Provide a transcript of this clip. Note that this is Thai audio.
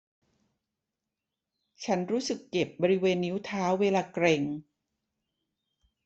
ฉันรู้สึกเจ็บบริเวณนิ้วเท้าเวลาเกร็ง